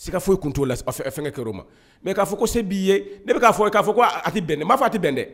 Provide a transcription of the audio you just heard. Se ka foyi i tun t' la fɛnkɛ kɛ o ma mɛ k'a fɔ ko se b'i ye ne k'a fɔ i k'a fɔ ko a tɛ bɛn ne m maa fa tɛ bɛn dɛ